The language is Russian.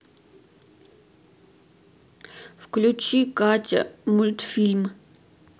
включи катя мультфильм